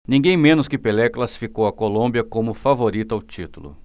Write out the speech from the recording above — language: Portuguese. ninguém menos que pelé classificou a colômbia como favorita ao título